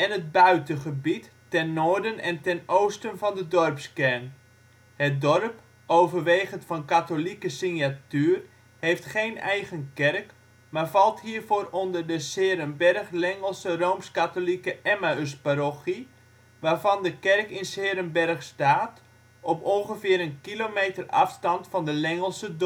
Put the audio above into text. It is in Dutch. het buitengebied ten noorden en ten oosten van de dorpskern. Het dorp, overwegend van katholieke signatuur, heeft geen eigen kerk, maar valt hiervoor onder de ' s-Heerenberg - Lengelse R.K. Emmausparochie, waarvan de kerk in ' s-Heerenberg staat, op ongeveer een kilometer afstand van de Lengelse